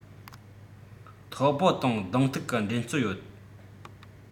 ཐའོ པའོ དང གདོང གཏུག གི འགྲན རྩོད ཡོད